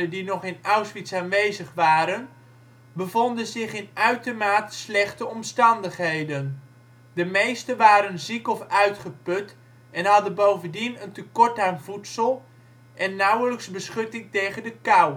die nog in Auschwitz aanwezig waren, bevonden zich in uitermate slechte omstandigheden. De meesten waren ziek of uitgeput en hadden bovendien een tekort aan voedsel en nauwelijks beschutting tegen de